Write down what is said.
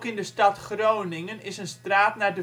de stad Groningen is een straat naar